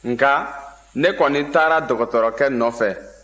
nka ne kɔni taara dɔkɔtɔrɔkɛ nɔ fɛ